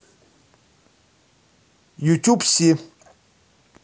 ютуб си